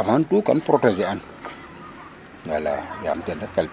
avant tout kan protéger an wala yaam ten ref kalpe es